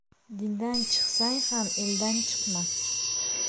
dindan chiqsang ham eldan chiqma